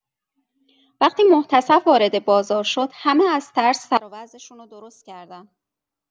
وقتی محتسب وارد بازار شد همه از ترس سر و وضعشون رو درست‌کردن.